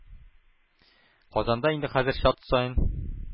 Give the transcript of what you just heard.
Казанда инде хәзер чат саен